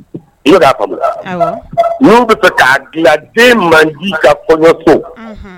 I'a n' bɛ to k'a dilanden man di ka kɔɲɔ to